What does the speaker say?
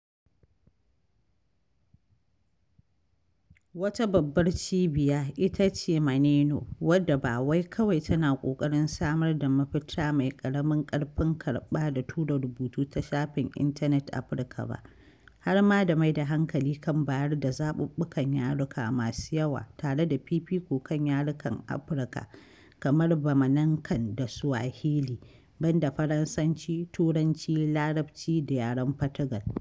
Wata babbar cibiya ita ce Maneno, wadda ba wai kawai tana ƙoƙarin samar da mafita mai ƙaramin ƙarfin karɓa da tura rubutu ta shafin intanet Afirka ba, har ma da mai da hankali kan bayar da zaɓuɓɓukan yaruka masu yawa tare da fifiko kan yarukan Afirka kamar Bamanankan da Swahili, banda Faransanci, Turanci, Larabci da yaren Fotugal.